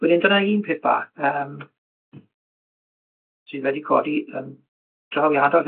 Wedyn dyna un peth bach yym sydd wedi codi yn drawiadol